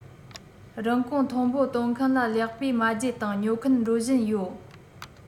རིན གོང མཐོན པོ གཏོང མཁན ལ ལེགས པས མ བརྗེད དང ཉོ མཁན འགྲོ བཞིན ཡོད